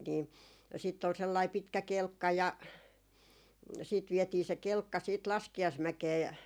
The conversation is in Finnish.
niin sitten oli sellainen pitkä kelkka ja sitten vietiin se kelkka sitten laskiaismäkeen